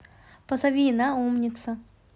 позови на умница